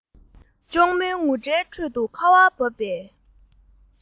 གཅུང མོའི ངུ སྒྲའི ཁྲོད དུ ཁ བ བབས པའི